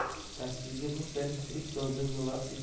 tasvirga bunchalik tirik joziba baxsh